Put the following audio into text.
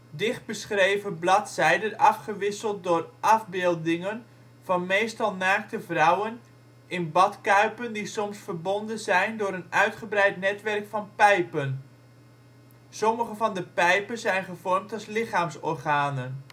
Dichtbeschreven bladzijden afgewisseld door afbeeldingen van meestal naakte vrouwen, in badkuipen die soms verbonden zijn door een uitgebreid netwerk van pijpen. Sommige van de pijpen zijn gevormd als lichaamsorganen